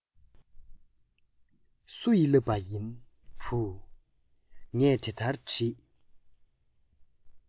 སུ ཡིས བསླབས པ ཡིན བུ ངས དེ ལྟར དྲིས